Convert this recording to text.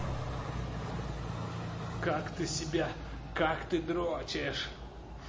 как ты себя как ты дрочишь